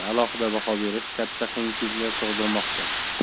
alohida baho berish katta qiyinchiliklar tug'dirmoqda